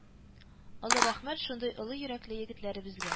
Олы рәхмәт шундый олы йөрәкле егетләребезгә